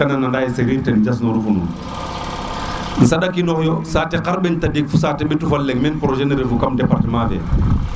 kon kay nanaye Serir jas noru fo nuun sa nda ki noox yo sate xar ɓen tadik fo sate ɓetu fa leng men projet ne refu kam Départemnt